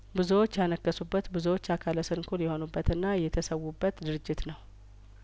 ብዙዎች ያነከሱበት ብዙዎች አካለስንኩላን የሆኑ በትና የተሰ ዉ በት ድርጅት ነው